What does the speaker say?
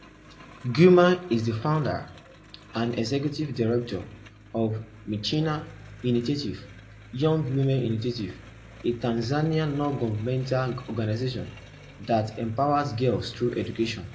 Gyumi is the founder and executive director of Msichana Initiative (Young Woman Initiative), a Tanzanian nongovernmental organization that empowers girls through education.